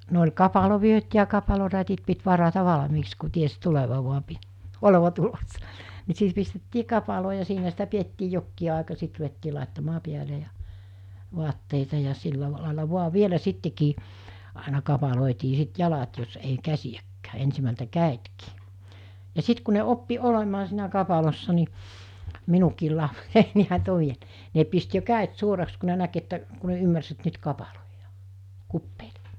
no oli kapalovyöt ja kapalorätit piti varata valmiiksi kun tiesi tulevan vain - olevan tulossa niin sitten pistettiin kapaloon ja siinä sitä pidettiin jokin aika sitten ruvettiin laittamaan päälle ja vaatteita ja sillä lailla vain vielä sittenkin aina kapaloitiin sitten jalat jos ei käsiäkään ensimmältä kädetkin ja sitten kun ne oppi olemaan siinä kapalossa niin minunkin lapseni ne pisti jo kädet suoraksi kun ne näki että kun ne ymmärsi että nyt kapaloidaan kupeille